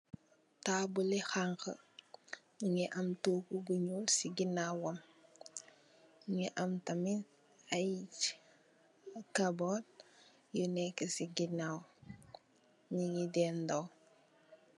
Taabul li hankh, mungi am toogu bu ñuul ci ganaawam, mungi am tamit ay cabot yu nekka ci ganaaw nungi dendoo.